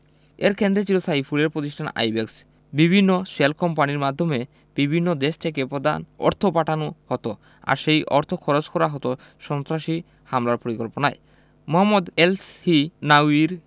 এর কেন্দ্রে ছিল সাইফুলের প্রতিষ্ঠান আইব্যাকস বিভিন্ন শেল কোম্পানির মাধ্যমে বিভিন্ন দেশ থেকে পদান অর্থ পাঠানো হতো আর সেই অর্থ খরচ করা হতো সন্ত্রাসী হামলার পরিকল্পনায় মোহাম্মদ এলসহিনাউয়ির